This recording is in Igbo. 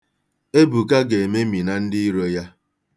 Ebuka ga-ememina ndị iro ya.